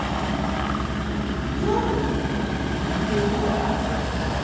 джой ты что дурак